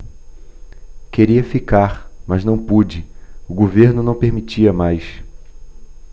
queria ficar mas não pude o governo não permitia mais